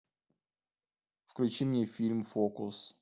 включи мне фильм фокус